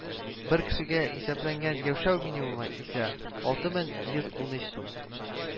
Бер кешегә исәпләнгән яшәү минимумы исә алты мең йөз унөч сум